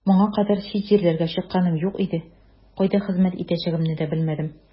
Моңа кадәр чит җирләргә чыкканым юк иде, кайда хезмәт итәчәгемне дә белмәдем.